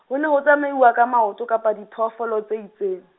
ho ne ho tsamaiwa ka maoto kapa diphoofolo tse itseng.